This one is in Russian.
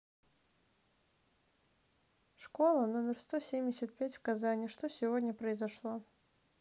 школа номер сто семьдесят пять в казани что сегодня произошло